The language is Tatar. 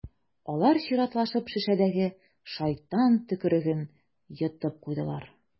Алар чиратлашып шешәдәге «шайтан төкереге»н йотып куйдылар.